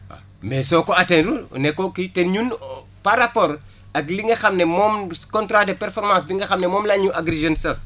waa mais soo ko atteindre nekkoo kii te énun par rapport ak li nga xam ne moom contrat de performance bi nga xam ne moom la ñu Agri Jeunes sas